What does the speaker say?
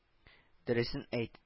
Дөресен әйт